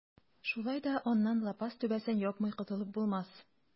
Шулай да аннан лапас түбәсен япмый котылып булмас.